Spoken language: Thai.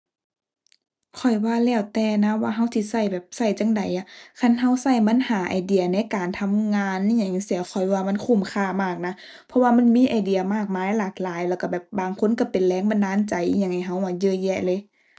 ข้อยว่าแล้วแต่นะว่าเราสิเราแบบ เราจั่งใดอะ คันเราเรามันหาไอเดียในการทำงานอิหยังจั่งซี้ข้อยว่ามันคุ้มค่ามากนะ เพราะว่ามันมีไอเดียมากมายหลากหลายแล้ว เราแบบบางคนกะเป็นแรงบันดาลใจอิหยังให้เราอะเยอะแยะเลย